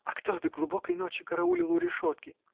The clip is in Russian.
А кто до глубокой ночи караулил у решетки?.